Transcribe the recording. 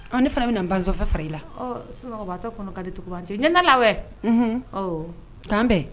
An ne fana bɛna na bafɛ fara la di ɲɛ la' bɛɛ